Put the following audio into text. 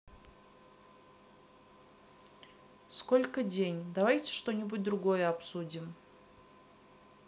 сколько день давайте что нибудь другое обсудим